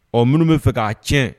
Ɔ minnu b'a fɛ k'a tiɲɛ